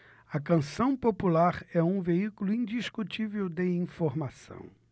a canção popular é um veículo indiscutível de informação